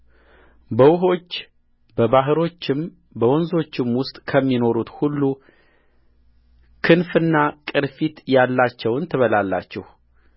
በውኆች በባሕሮችም በወንዞችም ውስጥ ከሚኖሩት ሁሉ ክንፍና ቅርፊት ያላቸውን ትበላላችሁ